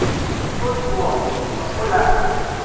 ngôi chùa và ngôi làng